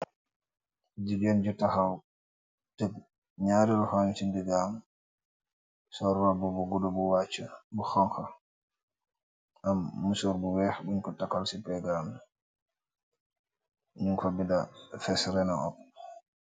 Jigeen ju taxaw deff naari loxom si ndegam sol roba bu guda bu wacah bu xonxa aam musoru bu weex bung ko takal si began bi nyun fa benda first runner up.